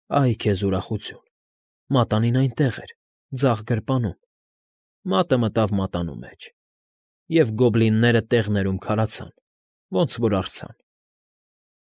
Ա՜յ քեզ ուրախություն, մատանին այնտեղ էր, ձախ գրպանում, մատը մտավ մատանու մեջ… և գոբլինները տեղներում քարացան, ոնց որ արձան։